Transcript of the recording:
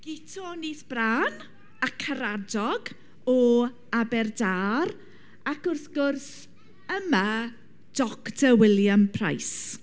Guto Nyth Bran a Caradog o Aberdâr ac wrth gwrs, yma, Doctor William Price.